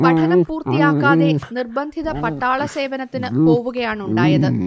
പഠനം പൂർത്തിയാക്കാതെ നിർബദ്ധിത പട്ടാള സേവനത്തിനു പോവുകയാണുണ്ടായത്